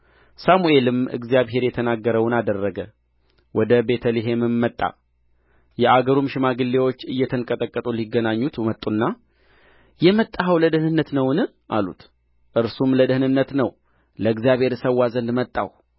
ሳሙኤልም እግዚአብሔር የተናገረውን አደረገ ወደ ቤተ ልሔምም መጣ የአገሩም ሽማግሌዎች እየተንቀጠቀጡ ሊገናኙት መጡና የመጣኸው ለደኅንነት ነውን አሉት እርሱም ለደኅንነት ነው ለእግዚአብሔር እሠዋ ዘንድ መጣሁ